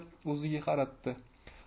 o'ziga qaratdi